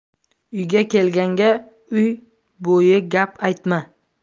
uyga kelganga uy bo'yi gap aytma